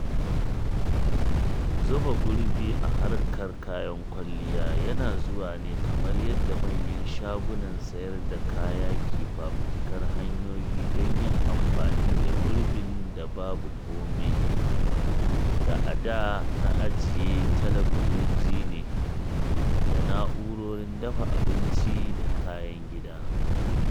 Zuba jari a harkar kwalliya yana zuwa ne kamar yadda manyan shagunan sayar da kaya ke fafutukar hanyoyi don yin amfani da gurbin da babu kome da a da na ajiye talabijoji ne, da na’urorin dafa abinci da kayan gida.